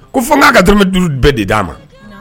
Ko fo'a ka tmɛ duuru bɛɛ de d dia ma